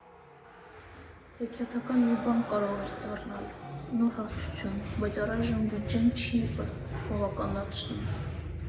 Հեքիաթային մի բան կարող էր դառնալ, նոր հարթություն, բայց առայժմ բյուջեն չի բավականացնում։